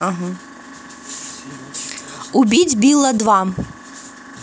убить билла два